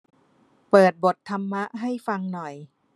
เปิดบทธรรมะให้ฟังหน่อย